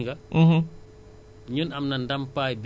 am nañu tamit produit fas